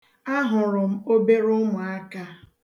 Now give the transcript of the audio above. Ahụrụ m obere ụmụaka.